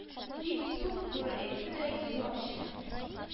Дип туп-туры әйтте дә елап җибәрде